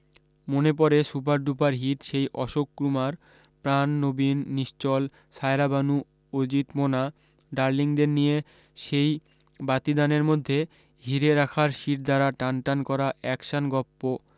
মনে পড়ে super duper hit সেই অশোক কুমার প্রাণ নবীন নিশ্চল সায়রাবানু অজিত মোনা ডারলিংদের নিয়ে সেই বাতিদানের মধ্যে হীরে রাখার শিরদাঁড়া টানটান করা অ্যাকশান গপ্পো